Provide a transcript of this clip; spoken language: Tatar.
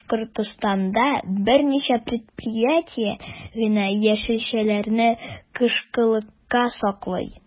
Башкортстанда берничә предприятие генә яшелчәләрне кышкылыкка саклый.